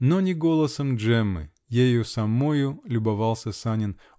Но не голосом Джеммы -- ею самою любовался Санин.